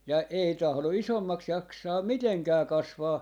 ja ei tahdo isommaksi jaksaa mitenkään kasvaa